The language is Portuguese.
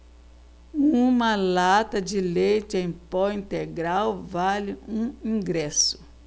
uma lata de leite em pó integral vale um ingresso